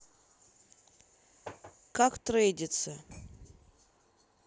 как трейдиться